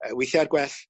yy weithia' i'r gwell